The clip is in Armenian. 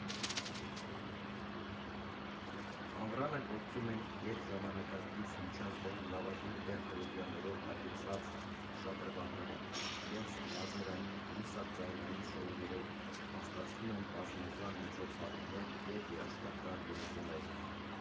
Ամռանը գործում են գերժամանակակից, միջազգային լավագույն տեխնոլոգիաներով հագեցած շատրվանները՝ իրենց լազերային, լուսաձայնային շոուներով, անցկացվում են բազմազան միջոցառումներ և երաժշտական երեկոներ։